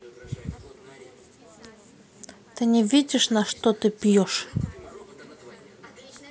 ты не видишь на что ты пьешь